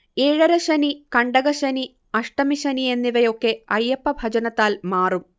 ഏഴരശ്ശനി, കണ്ടകശ്ശനി, അഷ്ടമിശനി എന്നിവയൊക്കെ അയ്യപ്പഭജനത്താൽ മാറും